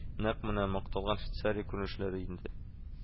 Нәкъ менә макталган Швейцария күренешләре инде